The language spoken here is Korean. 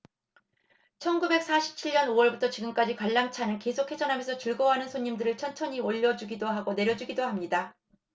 천 구백 사십 칠 년 오 월부터 지금까지 관람차는 계속 회전하면서 즐거워하는 손님들을 천천히 올려 주기도 하고 내려 주기도 합니다